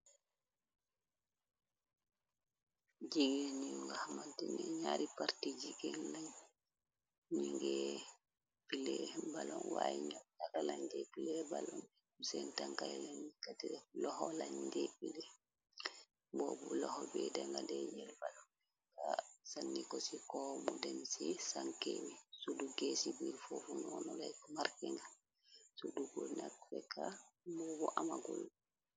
jigeen ni waxmante ne ñaari parti jigeen lañ ñu ngee pilee balon waaye ño jaxa lañ nje pile balon bu seen tankaylañ i kate loxo lañ nje pile boobu loxo bey denga de yel falonka sa ni ko ci ko mu dem ci sanke wi sudduggee ci biir fofunoonu lay marke ngam suddugo nak fekka moo bu ama gul